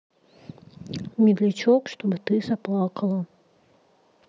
медлячок чтобы ты заплакала